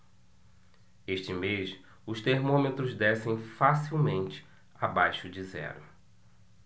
este mês os termômetros descem facilmente abaixo de zero